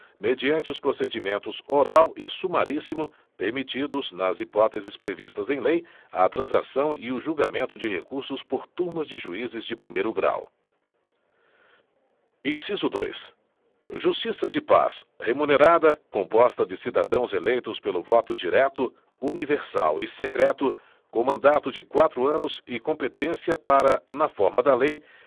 mediante os procedimentos oral e sumaríssimo permitidos nas hipóteses previstas em lei a transação e o julgamento de recursos por turmas de juízes de primeiro grau inciso dois justiça de paz remunerada composta de cidadãos eleitos pelo voto direto universal e secreto com mandato de quatro anos e competência para na forma da lei